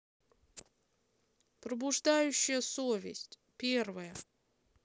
пробуждающая совесть первая